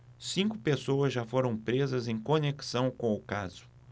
cinco pessoas já foram presas em conexão com o caso